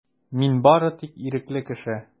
Мин бары тик ирекле кеше.